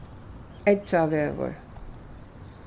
eggjavegur